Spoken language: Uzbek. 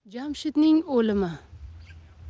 jamshidning o'limi